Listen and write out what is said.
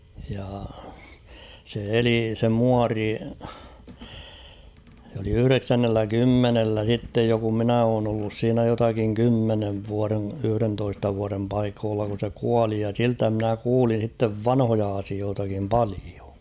ja se eli se muori se oli yhdeksännellä kymmenellä sitten jo kun minä olen ollut siinä jotakin kymmenen vuoden yhdentoista vuoden paikoilla kun se kuoli ja siltä minä kuulin sitten vanhoja asioitakin paljon